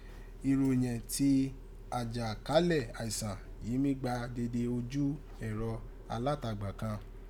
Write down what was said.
Ìròyẹ̀n ti àjàkálẹ̀ àìsàn yìí mí gba dede ojú ẹrọ alátagbà kàn